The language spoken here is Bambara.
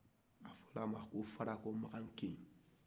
a fɔr'a ma ko farakomakankeyi